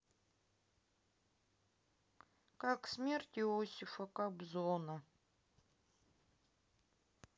как смерть иосифа кобзона